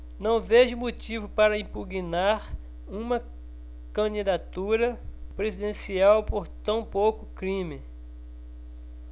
não vejo motivo para impugnar uma candidatura presidencial por tão pouco crime